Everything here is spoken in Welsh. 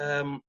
yym